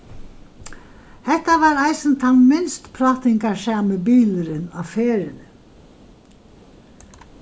hetta var eisini tann minst prátingarsami bilurin á ferðini